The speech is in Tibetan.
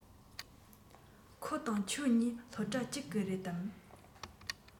ཁོ དང ཁྱོད གཉིས སློབ གྲྭ གཅིག གི རེད དམ